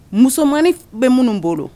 Musomani f bɛ minnu bolo